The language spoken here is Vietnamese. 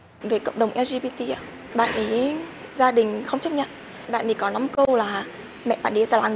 về cộng đồng eo gi bi ti ạ bạn ý gia đình không chấp nhận bạn chỉ có nói câu là mẹ bạn ý là